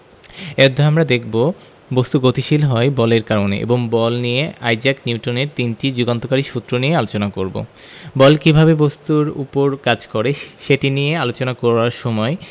এই অধ্যায়ে আমরা দেখব বস্তু গতিশীল হয় বলের কারণে এবং বল নিয়ে আইজাক নিউটনের তিনটি যুগান্তকারী সূত্র নিয়ে আলোচনা করব বল কীভাবে বস্তুর উপর কাজ করে সেটি নিয়ে আলোচনা করার সময়